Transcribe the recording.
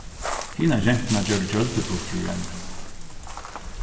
hinar genturnar gjørdu gjøldur burtur úr henni